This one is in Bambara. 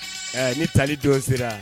Ɛɛ ni tali don sera